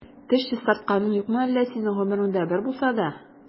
Теш чистартканың юкмы әллә синең гомереңдә бер булса да?